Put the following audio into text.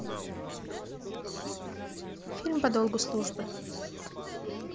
фильм по долгу службы